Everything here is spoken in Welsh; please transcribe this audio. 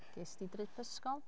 Ges 'di drip ysgol?